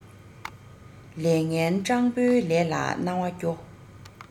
ལས ངན སྤྲང པོའི ལས ལ སྣང བ སྐྱོ